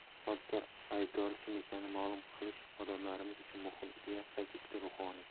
hodisa aybdori kim ekanini ma'lum qilish odamlarimiz uchun muhim deya qayd etdi ruhoniy